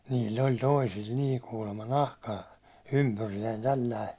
niillä oli toisilla niin kuulemma nahkaa ympyriäinen tällä lailla